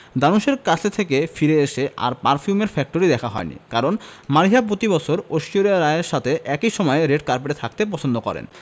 ধানুশের কাছে থেকে ফিরে এসে আর পারফিউম ফ্যাক্টরি দেখা হয়নি কারণ মালিহা প্রতিবছর ঐশ্বরিয়া রাই এর সাথে একই সময়ে রেড কার্পেটে থাকতে পছন্দ করেন